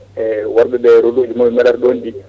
eyyi worɓeɓe rôle uji mooɓe mbaɗata ɗon ɗi